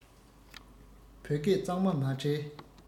བོད སྐད གཙང མ མ བྲལ